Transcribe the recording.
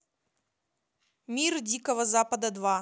мир дикого запада два